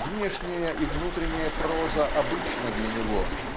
Внешняя и внутренняя проза обычна для него